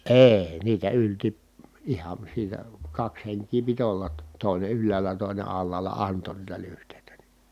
ei niitä ylsi ihan siitä kaksi henkeä piti olla - toinen ylhäällä toinen alhaalla antoi niitä lyhteitä niin